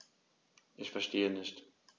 Ich verstehe nicht.